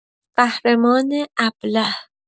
قهرمان ابله